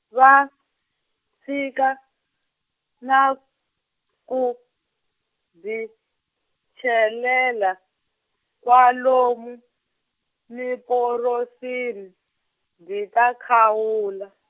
va, tshika, na, ku, dyi, chelela, kwalomu, mimporosini, dyi ta khawula.